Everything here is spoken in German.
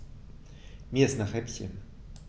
Mir ist nach Häppchen.